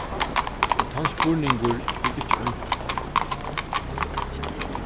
og tann spurningur er ikki einfaldur